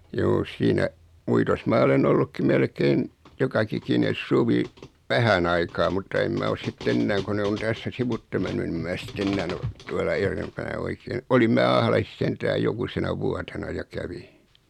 juu siinä uitossa minä olen ollutkin melkein joka ikinen suvi vähän aikaa mutta en minä ole sitten enää kun ne on tässä sivuitse mennyt niin en minä sitten enää ole tuolla edempänä oikein olin minä Ahlaisissa sentään jokusena vuotena ja kävin